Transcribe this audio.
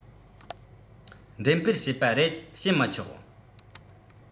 འགྲེམས སྤེལ བྱས པ རེད བྱེད མི ཆོག